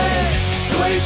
đừng ngại